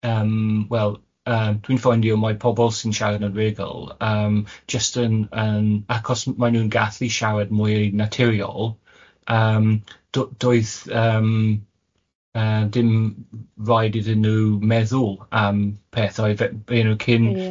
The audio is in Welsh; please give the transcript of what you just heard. yym wel yy dwi'n ffaindio mai pobl sy'n siarad yn rugyl yym jyst yn yn acos maen nhw'n gallu siarad mwy naturiol yym do- doeth yym yy dim raid iddyn nhw meddwl am pethau fe- be' nhw cyn... Ie.